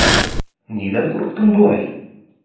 Нидән курыктың болай?